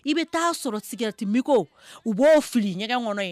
I be taa sɔrɔ cigarette Migot u b'o fili ɲɛgɛn ŋɔnɔ ye